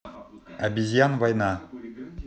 обезьян война